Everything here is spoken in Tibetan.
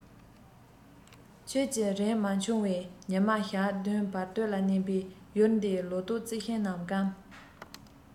ཁྱིད ཀྱི རིན མ འཁྱོངས བས ཉི མ ཞག བདུན བར སྟོད ལ མནན པས ཡུལ འདིའི ལོ ཏོག རྩི ཤིང རྣམས བསྐམས